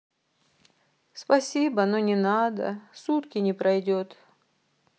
спасибо но не надо сутки не пройдет